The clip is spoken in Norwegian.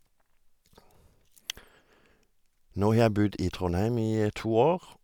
Nå har jeg bodd i Trondheim i to år.